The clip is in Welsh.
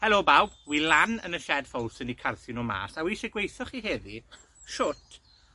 Helo, bawb. Wi lan yn y sied ffowlsyn i carthu nw mas, a wi isie gweu' 'tho chi heddi shwt